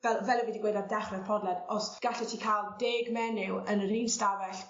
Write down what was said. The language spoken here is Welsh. fel fel 'yf fi 'di gweud ar dechre'r podled os gallet ti ca'l deg menyw yn yr un stafell